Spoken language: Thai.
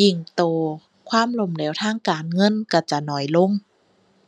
ยิ่งโตความล้มเหลวทางการเงินเราจะน้อยลง